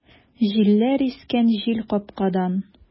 Җилләр искән җилкапкадан!